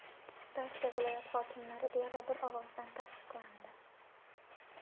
barcha viloyat hokimlari deyarli bir ovozdan tasdiqlandi